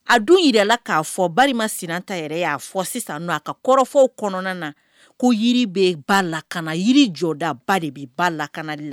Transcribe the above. A dun jira la k'a fɔ balima sinta yɛrɛ y'a fɔ sisan' a ka kɔrɔfɔfɔw kɔnɔna na ko yiri bɛ ba lakana jɔdaba de bɛ ba lakanali la